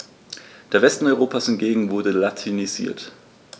Der Westen Europas hingegen wurde latinisiert.